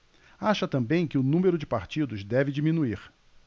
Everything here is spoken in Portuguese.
acha também que o número de partidos deve diminuir